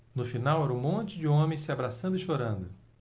no final era um monte de homens se abraçando e chorando